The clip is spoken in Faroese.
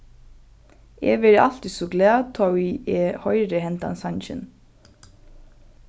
eg verði altíð so glað tá ið eg hoyri hendan sangin